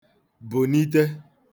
bùnite